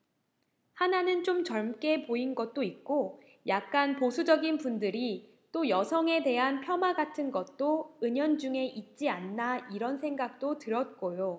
하나는 좀 젊게 보인 것도 있고 약간 보수적인 분들이 또 여성에 대한 폄하 같은 것도 은연중에 있지 않나 이런 생각도 들었고요